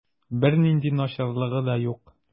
Бернинди начарлыгы да юк.